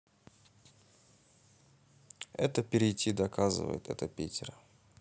это перейти доказывает это питер